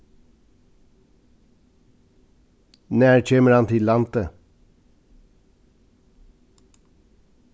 nær kemur hann til landið